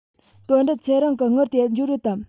དོན གྲུབ ཚེ རིང གི དངུལ དེ འབྱོར ཡོད དམ